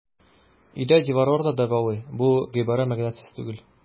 Өйдә диварлар да дәвалый - бу гыйбарә мәгънәсез түгел.